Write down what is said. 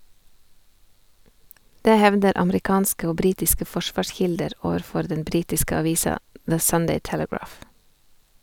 Det hevder amerikanske og britiske forsvarskilder overfor den britiske avisa The Sunday Telegraph.